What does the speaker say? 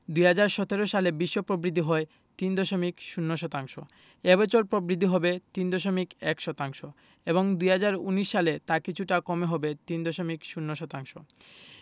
২০১৭ সালে বিশ্ব প্রবৃদ্ধি হয় ৩.০ শতাংশ এ বছর প্রবৃদ্ধি হবে ৩.১ শতাংশ এবং ২০১৯ সালে তা কিছুটা কমে হবে ৩.০ শতাংশ